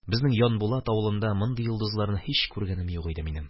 Безнең Янбулат авылында мондый йолдызларны һич күргәнем юк иде минем.